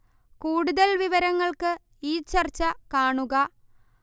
കൂടുതൽ വിവരങ്ങൾക്ക് ഈ ചർച്ച കാണുക